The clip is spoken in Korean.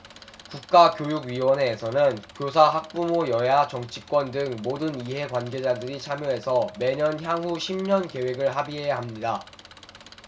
국가교육위원회에서는 교사 학부모 여야 정치권 등 모든 이해관계자들이 참여해서 매년 향후 십 년 계획을 합의해야 합니다